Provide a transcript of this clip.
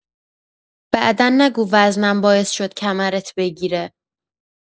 بعدا نگو وزنم باعث شد کمرت بگیره.